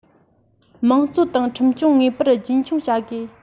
དམངས གཙོ དང ཁྲིམས སྐྱོང ངེས པར རྒྱུན འཁྱོངས བྱ དགོས